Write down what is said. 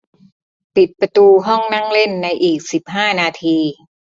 ปิดประตูห้องนั่งเล่นในอีกสิบห้านาที